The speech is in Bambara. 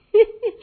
Un